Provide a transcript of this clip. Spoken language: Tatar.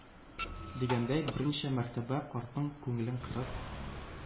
Дигәндәй, берничә мәртәбә картның күңелен кырыс,